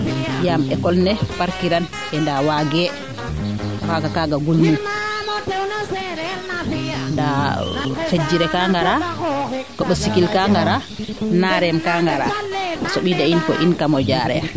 yaam école ne par kiran ndaa waaga xaaga kaaga gul nun ndaa Khadjire kaa ngara Kombosikim kaa ngaraa Narene kaa ngaraa a sombida in kamo Diarekh